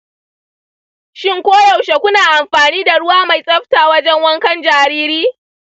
shin koyaushe kuna amfani da ruwa mai tsafta wajen wankan jariri?